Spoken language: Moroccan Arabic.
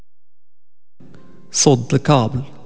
صدق كاظم